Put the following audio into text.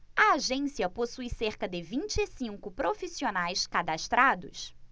a agência já possui cerca de vinte e cinco profissionais cadastrados